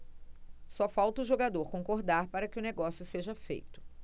só falta o jogador concordar para que o negócio seja feito